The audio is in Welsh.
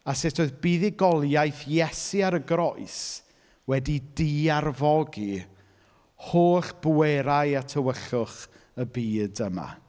A sut oedd buddugoliaeth Iesu ar y groes wedi di-arfogi holl bwerau a tywyllwch y byd yma.